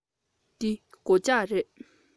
འདི སྒོ ལྕགས རེད